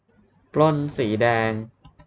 ปล้นสีแดง